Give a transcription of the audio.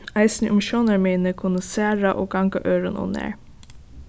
eisini um sjónarmiðini kunnu særa og ganga øðrum ov nær